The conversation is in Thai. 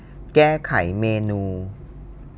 แก้ไขเมนู